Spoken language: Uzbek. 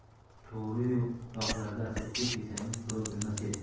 to'g'ri u yoqlarda asadbek desangiz birov bilmas edi